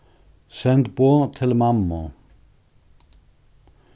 send boð til mammu